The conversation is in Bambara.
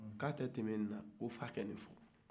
k'a tɛ tɛmɛ nin na ko f'a ka nin fɔ